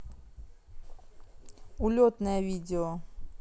улетное видео